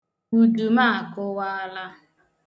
Udu m akụwala.